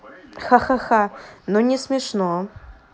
ха ха ха ну не смешно